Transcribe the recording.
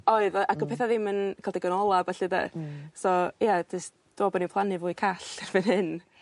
Oedd yy ac o petha ddim yn ca'l digon o ola' felly 'de? Hmm. So ie jyst dwi me'wl bo' ni'n plannu yn fwy call erbyn hyn. Ia.